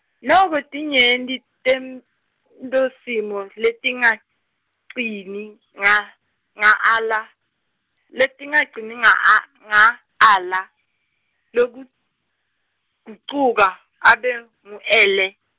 noko tinyenti tentosimo letingagcini nga nga ala, letingagcini nga a- nga ala, logu- -gucuka abe ngu ele.